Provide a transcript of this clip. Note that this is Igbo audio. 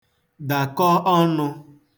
dakọ ọnụ̄